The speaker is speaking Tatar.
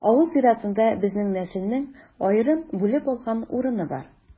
Авыл зиратында безнең нәселнең аерым бүлеп алган урыны бар.